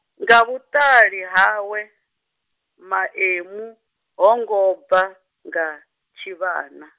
nga vhuṱali hawe, Maemu, ho ngo bva, nga, tshivhana.